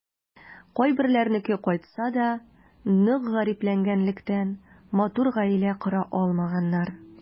Кайберләренеке кайтса да, нык гарипләнгәнлектән, матур гаилә кора алмаганнар.